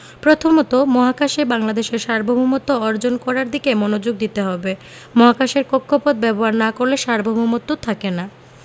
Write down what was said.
প্রথমত মহাকাশে বাংলাদেশের সার্বভৌমত্ব অর্জন করার দিকে মনোযোগ দিতে হবে মহাকাশের কক্ষপথ ব্যবহার না করলে সার্বভৌমত্ব থাকে না